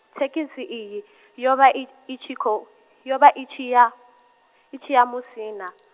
thekhisi iyi , yo vha i, i tshi khou, yo vha i tshi ya, i tshi ya Musina.